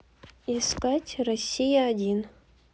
искать россия один